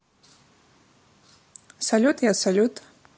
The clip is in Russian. салют я салют